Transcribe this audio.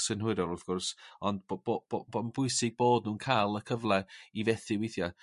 synhwyrol wrth gwrs ond bo' bo' bo' bo'n bwysig bod nw'n ca'l y cyfle i fethu withia.